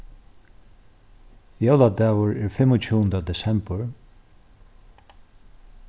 jóladagur er fimmogtjúgunda desembur